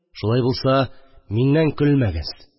Шулай булса, миннән көлмәңез